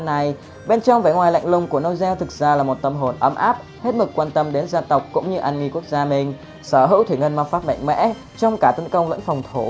bên trong vẻ ngoài lạnh lùng của nozel thực ra là tâm hồn ấm áp hết mực quan tâm đến gia tộc cũng như an nguy quốc gia mình sở hữu thủy ngân ma pháp mạnh mẽ trong cả tấn công lẫn phòng thủ